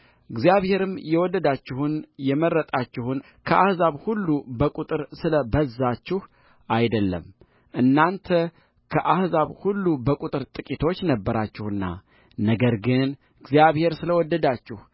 እግዚአብሔርም የወደዳችሁና የመረጣችሁ ከአሕዛብ ሁሉ በቍጥር ስለ በዛችሁ አይደለም እናንተ ከአሕዛብ ሁሉ በቍጥር ጥቂቶች ነበራችሁናነገር ግን እግዚአብሔር ስለ ወደዳችሁ